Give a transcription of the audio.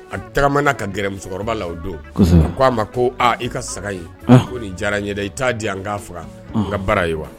A tagamana ka gɛrɛ musokɔrɔbakɔrɔba la, o don, kosɛbɛ, a k'a ma ko aa i ka saga in, a ko ni diyara n ye dɛ, i t'a di yan ka faga, unhun, n ka bara ye wa?